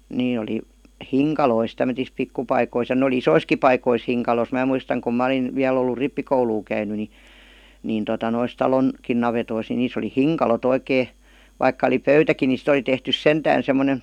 ne oli hinkaloissa tämmöisissä pikkupaikoissa ja ne oli isoissakin paikoissa hinkalossa minä muistan kun minä olin vielä ollut rippikoulua käynyt niin niin tuota noissa - talonkin navetoissa niin niissä oli hinkalot oikein vaikka oli pöytäkin niin sitten oli tehty sentään semmoinen